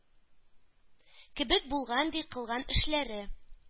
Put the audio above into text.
Кебек булган, ди, кылган эшләре